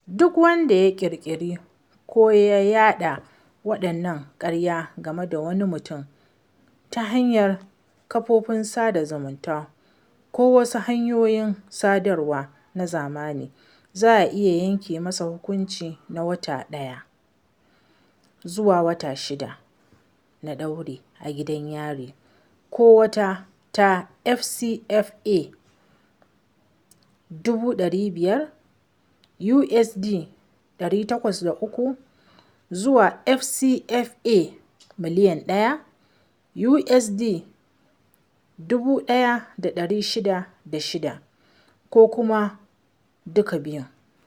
Duk wanda ya ƙirƙiri ko ya yaɗa bayanan ƙarya game da wani mutum ta hanyar kafofin sada zumunta ko wasu hanyoyin sadarwa na zamani, za a iya yanke masa hukunci na wata ɗaya (01) zuwa shida (06) na ɗauri a gidan yari, ko tara ta FCFA 500,000 (USD 803) zuwa FCFA 1,000,000 (USD 1,606), ko kuma duka biyun.